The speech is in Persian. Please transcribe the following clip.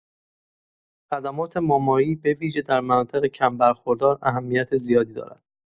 خدمات مامایی به‌ویژه در مناطق کم‌برخوردار اهمیت زیادی دارد.